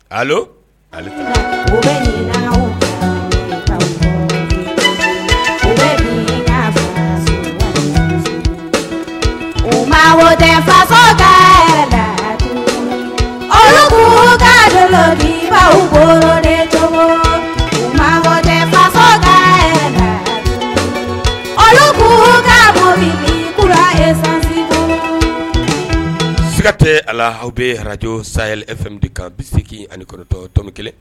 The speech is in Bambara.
Go la mago oluku ka jainba ko oluku ka mukura san siraiga tɛ a aw bɛ araj sa f bi ka bɛ se ani kɔrɔtɔ tɔn kelen